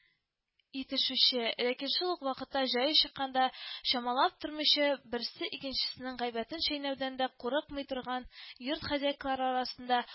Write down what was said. Итешүче, ләкин шул ук вакытта, җае чыкканда, чамалап тормыйча берсе икенчесенең гайбәтен чәйнәүдән дә курыкмый торган йорт хозяйкалары арасында